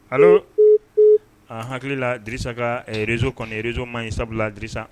Ale an hakili la sa ka rzso kɔni rezo man in sabuladisa